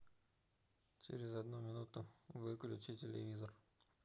через одну минуту выключи телевизор